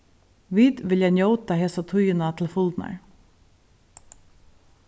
vit vilja njóta hesa tíðina til fulnar